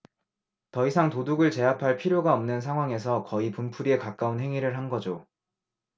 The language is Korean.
더 이상 도둑을 제압할 필요가 없는 상황에서 거의 분풀이에 가까운 행위를 한 거죠